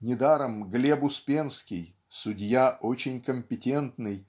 Недаром Глеб Успенский судья очень компетентный